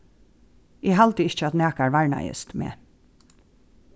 eg haldi ikki at nakar varnaðist meg